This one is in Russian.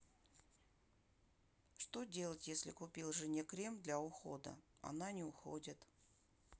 что делать если купил жене крем для ухода она не уходит